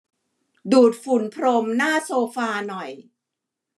ดูดฝุ่นพรมหน้าโซฟาหน่อย